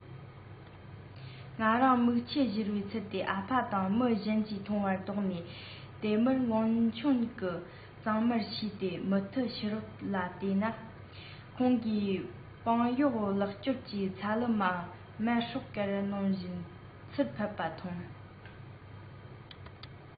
ང རང མིག ཆུ བཞུར བའི ཚུལ དེ ཨ ཕ དང མི གཞན གྱིས མཐོང བར དོགས ནས དེ མུར མངོན ཆུང གི གཙང མར ཕྱིས ཏེ མུ མཐུད ཕྱི རོལ གྱི ལ བལྟས པ ན ཁོང གི པང གཡོག ལག སྐྱོར གྱིས ཚ ལུ མ དམར ཧྲོག གེར སྣོམ བཞིན ཚུར ཕེབས པ མཐོང